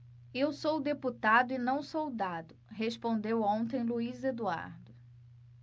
eu sou deputado e não soldado respondeu ontem luís eduardo